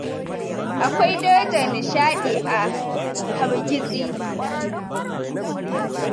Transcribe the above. Akwai darajar nishaɗi a hargitsi.